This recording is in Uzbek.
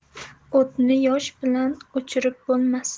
o'tni yosh bilan o'chirib bo'lmas